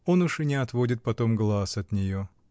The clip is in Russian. Он уж и не отводит потом глаз от нее.